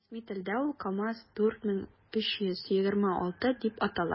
Рәсми телдә ул “КамАЗ- 4326” дип атала.